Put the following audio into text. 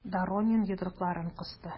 Доронин йодрыкларын кысты.